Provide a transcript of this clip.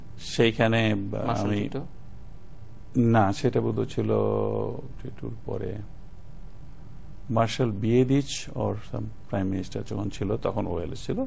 সেইখানে Marshal Tito না সেটা বোধহয় ছিল টিটোর পরে Marshal Bijedic or some prime minister যখন ছিল তখন ও এল এসছিল